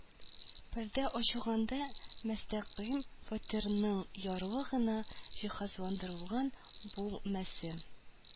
Пәрдә ачылганда Мөстәкыйм фатирының ярлы гына җиһазландырылган бүлмәсе